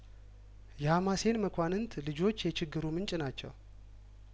የሀማሴን መኳንንት ልጆች የችግሩ ምንጭ ናቸው